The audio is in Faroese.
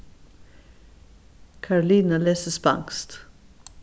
karolina lesur spanskt